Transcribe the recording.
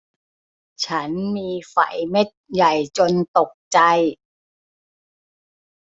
ฉันมีไฝเม็ดใหญ่จนตกใจ